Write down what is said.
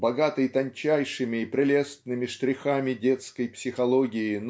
богатый тончайшими и прелестными штрихами детской психологии